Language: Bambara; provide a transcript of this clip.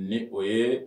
Ni o ye